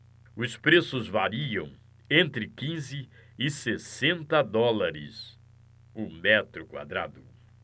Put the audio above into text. os preços variam entre quinze e sessenta dólares o metro quadrado